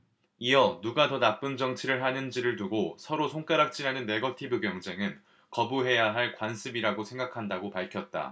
이어 누가 더 나쁜 정치를 하는 지를 두고 서로 손가락질 하는 네거티브 경쟁은 거부해야 할 관습이라고 생각한다고 밝혔다